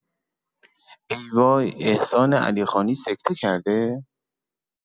ای وای احسان علیخانی سکته کرده!